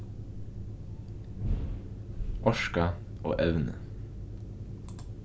orka og evni